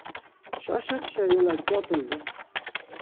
shoshapisha yo'lakka otildi